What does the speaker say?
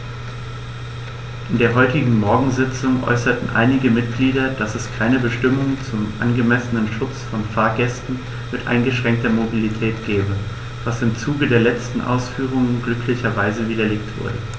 In der heutigen Morgensitzung äußerten einige Mitglieder, dass es keine Bestimmung zum angemessenen Schutz von Fahrgästen mit eingeschränkter Mobilität gebe, was im Zuge der letzten Ausführungen glücklicherweise widerlegt wurde.